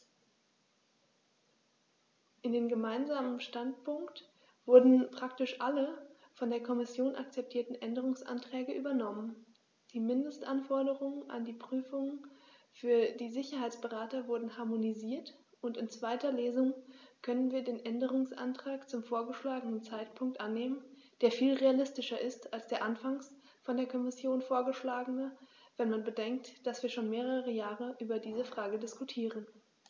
In den gemeinsamen Standpunkt wurden praktisch alle von der Kommission akzeptierten Änderungsanträge übernommen, die Mindestanforderungen an die Prüfungen für die Sicherheitsberater wurden harmonisiert, und in zweiter Lesung können wir den Änderungsantrag zum vorgeschlagenen Zeitpunkt annehmen, der viel realistischer ist als der anfangs von der Kommission vorgeschlagene, wenn man bedenkt, dass wir schon mehrere Jahre über diese Frage diskutieren.